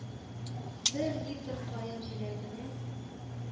Бер литр каен җиләгенә